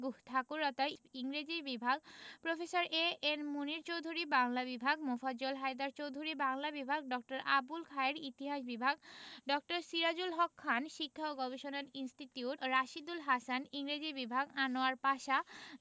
গুহঠাকুরতা ইংরেজি বিভাগ professor A N Munier Chowdhury Bangla বিভাগ মোফাজ্জল হায়দার চৌধুরী বাংলা বিভাগ ড. আবুল খায়ের ইতিহাস বিভাগ ড. সিরাজুল হক খান শিক্ষা ও গবেষণা ইনস্টিটিউট রাশীদুল হাসান ইংরেজি বিভাগ আনোয়ার পাশা